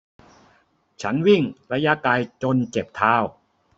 ฉันวิ่งระยะไกลจนเจ็บเท้า